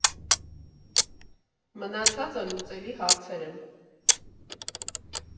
Մնացածը լուծելի հարցեր են։